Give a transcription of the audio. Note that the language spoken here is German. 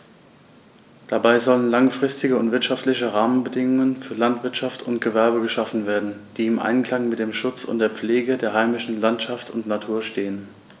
Dabei sollen langfristige und wirtschaftliche Rahmenbedingungen für Landwirtschaft und Gewerbe geschaffen werden, die im Einklang mit dem Schutz und der Pflege der heimischen Landschaft und Natur stehen.